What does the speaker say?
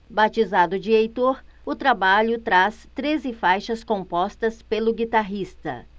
batizado de heitor o trabalho traz treze faixas compostas pelo guitarrista